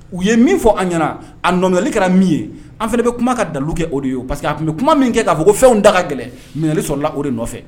U ye min fɔ an ɲɛna a nɔyali kɛra min ye an fana bɛ kuma ka dalu kɛ o de ye parce que a tun bɛ kuma min kɛ k'a fɔ ko fɛnw da ka gɛlɛn mili sɔrɔla o de nɔfɛ